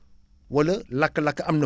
wala lakk-lakk am na